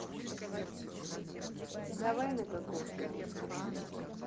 давай на кокосовом